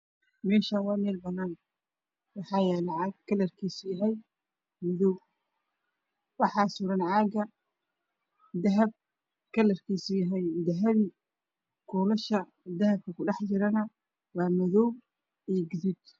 Meeshaan waa meel banaan waxaa yaalo caag kalarkiisu yahay madow. Waxaa suran caaga dahab kalarkiisu yahay dahabi kuulasha dahabka ku dhex jirana waa madow iyo gaduud.